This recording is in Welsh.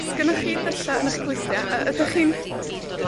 'Sgennoch chi dylla' yn 'ych clustia? Y- ydach chi'n,